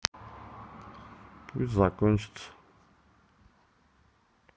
пусть закончится